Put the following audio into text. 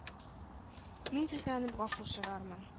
Мин тезләнеп гафу сорармын.